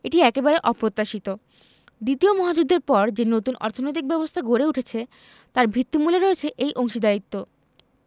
এটি একেবারে অপ্রত্যাশিত দ্বিতীয় মহাযুদ্ধের পর যে নতুন অর্থনৈতিক ব্যবস্থা গড়ে উঠেছে তার ভিত্তিমূলে রয়েছে এই অংশীদারত্ব